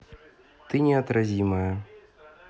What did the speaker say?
ты неотразимая